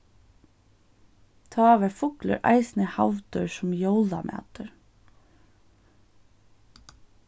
tá var fuglur eisini havdur sum jólamatur